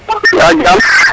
Mbaa jam